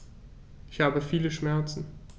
Ich habe viele Schmerzen.